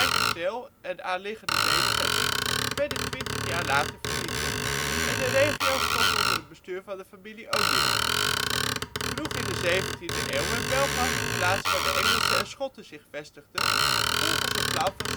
kasteel, en aanliggende nederzetting, werden 20 jaar later vernietigd, en de regio stond onder het bestuur van de familie O'Neill. Vroeg in de 17e eeuw werd Belfast een plaats waar de Engelsen en Schotten zich vestigden, volgens het plan van